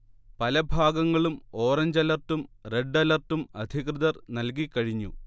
പലഭാഗങ്ങളും orange അലർട്ടും, red അലർട്ടും അധികൃതർ നല്കികഴിഞ്ഞു